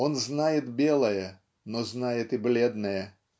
Он знает белое, но знает и бледное